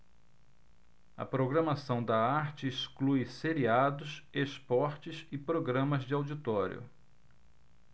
a programação da arte exclui seriados esportes e programas de auditório